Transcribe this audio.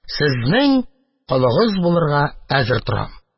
Сезнең колыгыз булырга әзер торам.